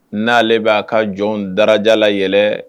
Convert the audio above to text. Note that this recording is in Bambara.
N'ale b'a ka jɔn dalajalay